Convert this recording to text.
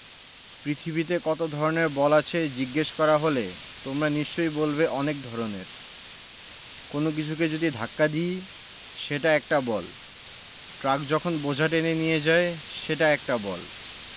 পৃথিবীতে কত ধরনের বল আছে জিজ্ঞেস করা হলে তোমরা নিশ্চয়ই বলবে অনেক ধরনের কোনো কিছুকে যদি ধাক্কা দিই সেটা একটা বল ট্রাক যখন বোঝা টেনে নিয়ে যায় সেটা একটা বল